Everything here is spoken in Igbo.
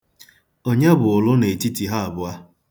Onye bụ ụlụ n'etiti ha abụọ?